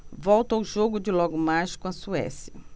volto ao jogo de logo mais com a suécia